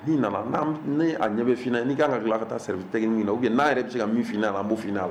N'i nana, n'an ni, a bɛɛ bɛ f'i ɲana ou bien n'i ka kan ka taa service technique la ou bien n'an yɛrɛ bɛ se ka min f'i ɲan'a la an bo f'i ɲana.